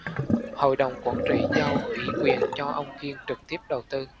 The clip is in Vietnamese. hội đồng quản trị giao ủy quyền cho ông kiên trực tiếp đầu tư